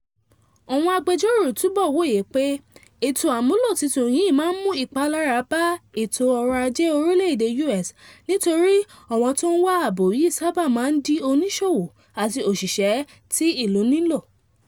Àwọn agbẹjọ́rò túbọ̀ wòye pé ètò àmúlò titun yìí ń mú ìpalára bá ètò ọrọ̀ ajé orílẹ̀èdè US nítorí àwọn tó ń wá ààbò yìí sábà máa ń di oníṣòwò àti òṣìṣẹ́ tí ìlú nílò."